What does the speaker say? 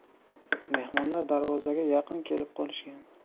mehmonlar darvozaga yaqin kelib qolishgan